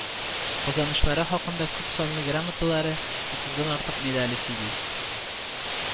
Казанышлары хакында күпсанлы грамоталары, утыздан артык медале сөйли